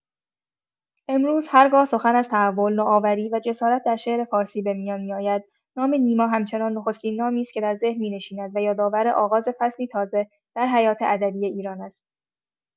امروز هرگاه سخن از تحول، نوآوری و جسارت در شعر فارسی به میان می‌آید، نام نیما همچنان نخستین نامی است که در ذهن می‌نشیند و یادآور آغاز فصلی تازه در حیات ادبی ایران است.